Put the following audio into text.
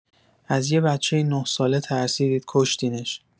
از یه بچه ۹ ساله ترسیدید کشتینش